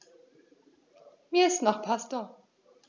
Mir ist nach Pasta.